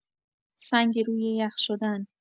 سنگ روی یخ شدن